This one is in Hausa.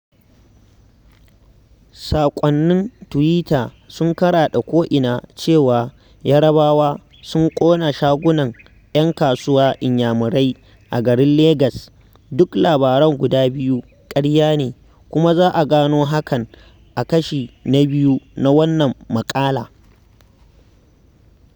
Saƙonnin tuwita sun karaɗe ko'ina cewa Yarabawa sun ƙona shagunan 'yan kasuwa Inyamirai a garin Legas. Duk labaran guda biyu ƙarya ne kuma za a gano hakan a Kashi na II na wannan maƙala.